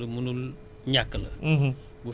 dafa am lu ñuy ne franchise